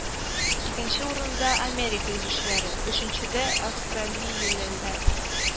Икенче урында – Америка йөзүчеләре өченчедә – австралиялеләр